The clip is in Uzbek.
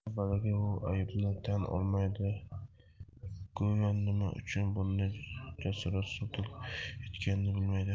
avvaliga u aybini tan olmaydi go'yo nima uchun bunday jinoyat sodir etganini bilmaydi